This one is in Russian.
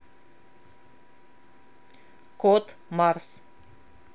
кот марс